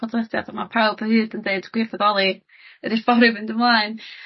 podlediad yma pawb a hyd yn deud gwirfoddoli ydi'r ffor i fynd ymlaen.